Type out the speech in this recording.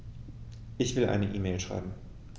Ich will eine E-Mail schreiben.